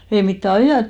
ei mitään -